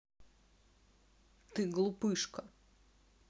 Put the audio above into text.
ты глупышка